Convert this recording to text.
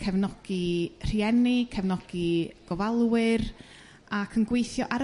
cefnogi rhieni cefnogi gofalwyr ac yn gweithio ar